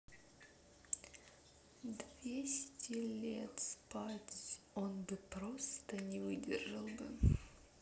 двести лет спать он бы просто не выдержал бы